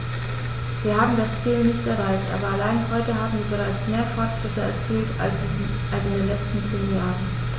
Wir haben das Ziel nicht erreicht, aber allein heute haben wir bereits mehr Fortschritte erzielt als in den letzten zehn Jahren.